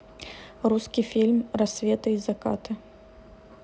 русский фильм рассветы и закаты